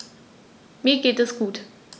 Mir geht es gut.